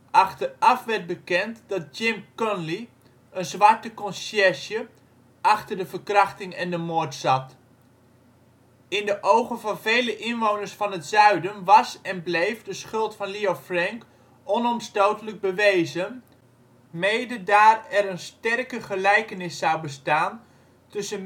Achteraf werd bekend dat Jim Conley, een zwarte conciërge, achter de verkrachting en de moord zat. In de ogen van vele inwoners van het Zuiden was en bleef de schuld van Leo Frank onomstotelijk bewezen, mede daar er een sterke gelijkenis zou bestaan tussen